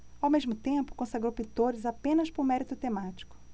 ao mesmo tempo consagrou pintores apenas por mérito temático